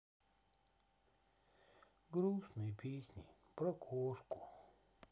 грустные песни про кошку